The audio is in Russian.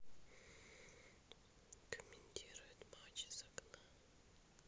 комментирует матч из окна